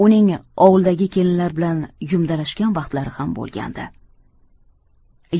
uning ovuldagi kelinlar bilan yumdalashgan vaqtlari ham bo'lgandi